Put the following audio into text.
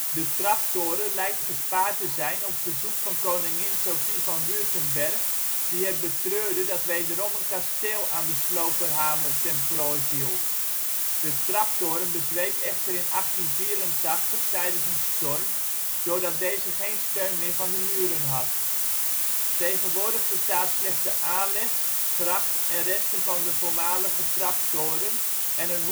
De traptoren lijkt gespaard te zijn op verzoek van koningin Sophie van Württemberg, die het betreurde dat wederom een kasteel aan de sloperhamer ten prooi viel. Echter de traptoren bezweek echter in 1884 tijdens een storm, doordat deze geen steun meer van de muren had. Tegenwoordig bestaat slechts de aanleg, gracht en resten van de voormalige traptoren en